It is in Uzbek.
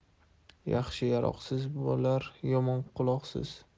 yaxshi yaroqsiz bo'lar yomon quloqsiz